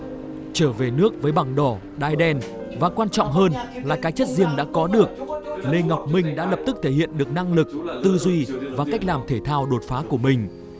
trở về nước với bằng đỏ đai đen và quan trọng hơn là cái chất riêng đã có được lê ngọc minh đã lập tức thể hiện được năng lực tư duy và cách làm thể thao đột phá của mình